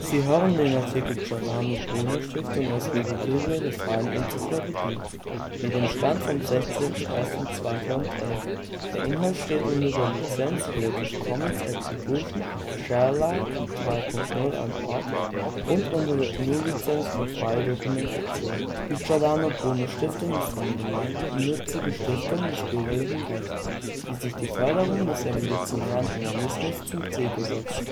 Sie hören den Artikel Giordano-Bruno-Stiftung, aus Wikipedia, der freien Enzyklopädie. Mit dem Stand vom Der Inhalt steht unter der Lizenz Creative Commons Attribution Share Alike 3 Punkt 0 Unported und unter der GNU Lizenz für freie Dokumentation. Datei:GiordanoBrunoStiftung-Logo.svg Logo der Stiftung Die Giordano-Bruno-Stiftung ist eine gemeinnützige Stiftung des bürgerlichen Rechts, die sich die „ Förderung des Evolutionären Humanismus “zum Ziel gesetzt